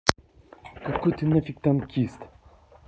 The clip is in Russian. какой ты нафиг танкист